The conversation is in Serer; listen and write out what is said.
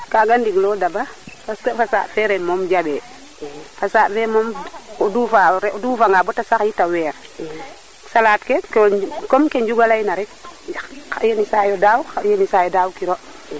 kaga nding lo Daba parce que fasaɓ fe ren moom jaɓe fasaɓ fe moom o dufa nga o dufa nga bata sax it a weer salade ke comme ke Ndiounga leyna rek yenisaay o daaw yenisaay daaw kiro